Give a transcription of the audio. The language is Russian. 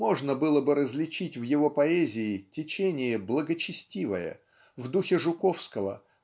можно было бы различить в его поэзии течение благочестивое в духе Жуковского